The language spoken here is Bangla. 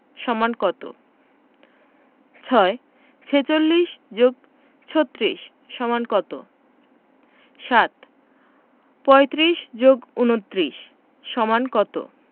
= কত ৬ ৪৬ + ৩৬ = কত ৭ ৩৫ + ২৯ = কত